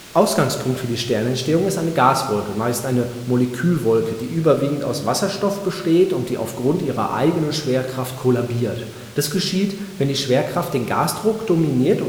Ausgangspunkt für die Sternentstehung ist eine Gaswolke (meist Molekülwolke), die überwiegend aus Wasserstoff besteht, und die aufgrund ihrer eigenen Schwerkraft kollabiert. Das geschieht, wenn die Schwerkraft den Gasdruck dominiert